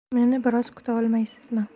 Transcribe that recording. meni biroz kutaolmaysizmi